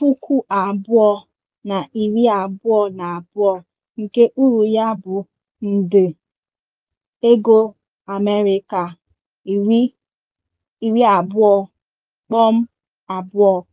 2022, nke uru ya bụ nde $20.2.